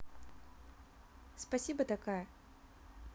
спасибо такая